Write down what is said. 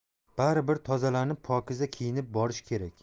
bari bir tozalanib pokiza kiyinib borish kerak